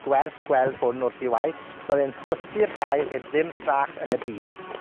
gwerth gweld hwn wrth 'i waith. Ma' fe'n chwythu'r dail heb ddim strach yn y byd,